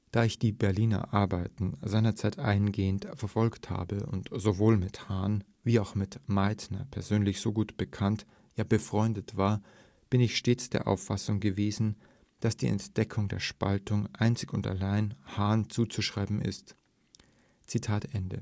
Da ich die Berliner Arbeiten seinerzeit eingehend verfolgt habe, und sowohl mit Hahn wie mit Meitner persönlich so gut bekannt, ja befreundet war, bin ich stets der Auffassung gewesen, dass die Entdeckung der Spaltung einzig und allein Hahn zuzuschreiben ist. “Während